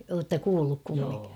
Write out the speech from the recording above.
olette kuullut kumminkin